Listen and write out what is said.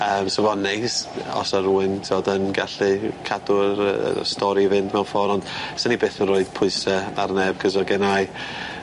Yym sa fo'n neis os o' rywun t'wod yn gallu cadw'r yy stori i fynd mewn ffor on' sa ni byth yn roid pwyse ar neb c'os oedd gennai